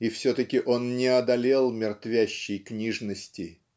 и все-таки он не одолел мертвящей книжности